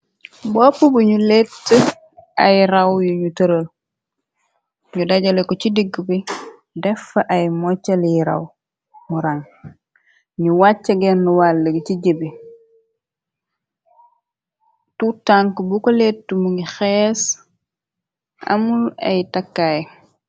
Bopp buñu lett ay raw yuñu tërël ñu dajale ko ci digg bi defa ay moccali raw muran ñu wàcc genn wàll gi ci jebe tutank bu ko lett mu ngi xees amul ay takkaay.